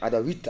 a?a witta